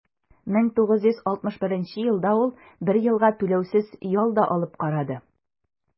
1961 елда ул бер елга түләүсез ял да алып карады.